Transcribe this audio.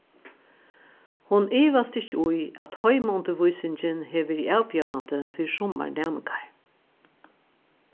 hon ivast ikki í at heimaundirvísingin hevur verið avbjóðandi fyri summar næmingar